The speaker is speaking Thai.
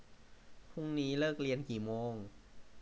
พรุ่งนี้เลิกเรียนกี่โมง